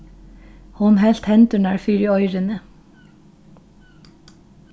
hon helt hendurnar fyri oyruni